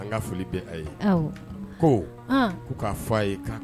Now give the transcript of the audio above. An ka foli bɛ a ye ko k' k'a fɔ a ye kan